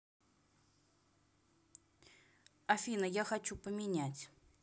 афина я хочу поменять